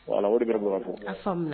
Wa ala wari bɛ bamakɔ bɔ